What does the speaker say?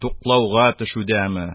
Туплауга төшүдәме,